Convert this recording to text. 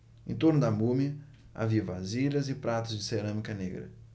em torno da múmia havia vasilhas e pratos de cerâmica negra